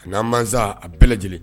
A'a ma a bɛɛ lajɛlen